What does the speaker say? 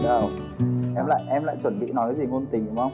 đâu em lại em lại chuẩn bị nói gì ngôn tình đúng không